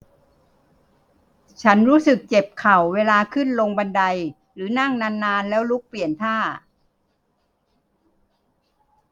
ฉันรู้สึกเจ็บเข่าเวลาขึ้นลงบันไดหรือนั่งนานนานแล้วลุกเปลี่ยนท่า